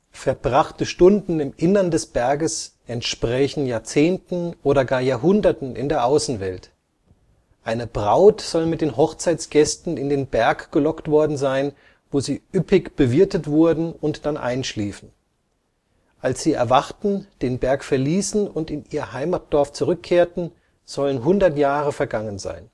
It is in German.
Verbrachte Stunden im Inneren des Berges entsprächen Jahrzehnten oder gar Jahrhunderten in der Außenwelt. Eine Braut soll mit den Hochzeitsgästen in den Berg gelockt worden sein, wo sie üppig bewirtet wurden und dann einschliefen. Als sie erwachten, den Berg verließen und in ihr Heimatdorf zurückzukehrten, sollen hundert Jahre vergangen sein